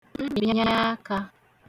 mbìnyeakā